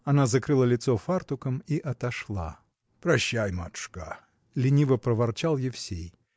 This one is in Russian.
Она закрыла лицо фартуком и отошла. – Прощай, матушка! – лениво проворчал Евсей.